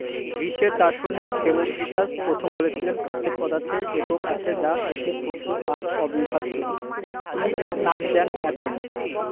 গ্রিসের দার্শনিক ডেমোক্রিটাস প্রথম বলেছিলেন প্রত্যেক পদার্থের একক আছে যা অতি ক্ষুদ্র আর অবিভাজ্য তিনি এর নাম দেন এটম